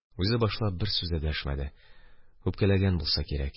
Үзе башлап бер сүз дә дәшмәде, үпкәләгән булса кирәк.